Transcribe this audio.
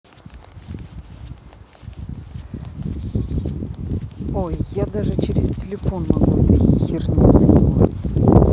ой я даже через телефон могу этой херней заниматься